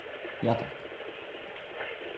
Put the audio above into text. ja takk